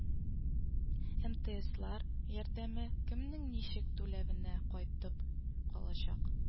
МТСлар ярдәме кемнең ничек түләвенә кайтып калачак